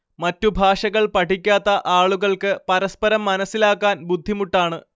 മറ്റുഭാഷകൾ പഠിക്കാത്ത ആളുകൾക്ക് പരസ്പരം മനസ്സിലാക്കാൻ ബുദ്ധിമുട്ടാണ്